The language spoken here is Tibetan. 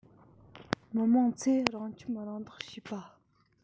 མི དམངས ཚོས རང ཁྱིམ རང བདག བྱེད པ